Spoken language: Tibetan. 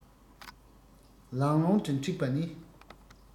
ལང ལོང དུ འཁྲིགས པ ནི